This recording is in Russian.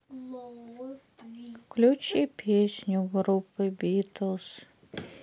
включи песню группы битлз